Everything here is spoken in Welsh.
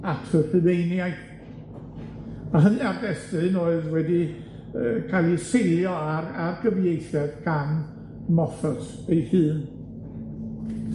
at y Rhufeiniaid, a hynny ar destun oedd wedi yy ca'l 'i seilio ar ar gyfieithiad gan Moffatt ei hun.